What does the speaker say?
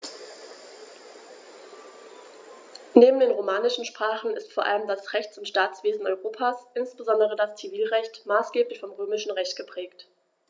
Neben den romanischen Sprachen ist vor allem das Rechts- und Staatswesen Europas, insbesondere das Zivilrecht, maßgeblich vom Römischen Recht geprägt.